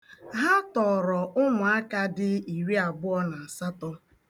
Ha tọọrọ ụmụaka dị iri abụọ na asatọ.